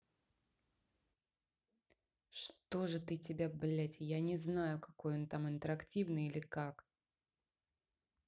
что же ты тебя блядь я не знаю какой он там интерактивный или как